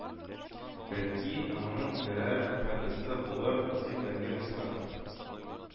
Бәлки, аның берәр файдасы булыр, ди Дамир Исхаков